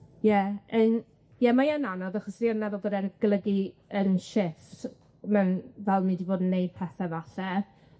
Ie yym ie mae yn anodd achos fi yn meddwl bod e'n golygu yym shifft mewn fel ni 'di bod yn neud pethe falle.